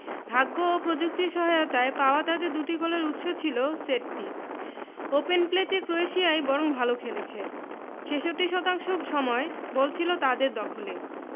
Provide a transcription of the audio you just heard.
ভাগ্য ও প্রযুক্তির সহায়তায় পাওয়া তাদের দুটি গোলের উৎস ছিল সেটপিস ওপেন প্লেতে ক্রোয়েশিয়াই বরং ভালো খেলেছে ৬৬ শতাংশ সময় বল ছিল তাদের দখলে